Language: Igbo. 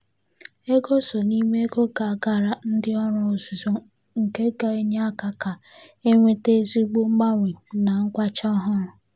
Ego so n'ime ego ga agara ndị ọrụ ọzụzụ nke ga-enye aka ka enweta ezigbo mgbanwe na Kwacha ọhụrụ.